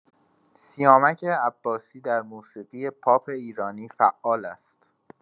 سیامک عباسی در موسیقی پاپ ایرانی فعال است.